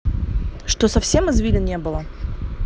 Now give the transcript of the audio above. что совсем извилин не было